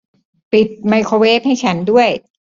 ปิดไมโครเวฟให้ฉันด้วย